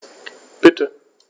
Bitte.